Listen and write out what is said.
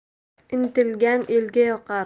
intilgan elga yoqar